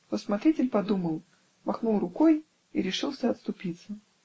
но смотритель подумал, махнул рукой и решился отступиться.